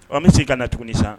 Ɔ an bɛ se ka na tuguni san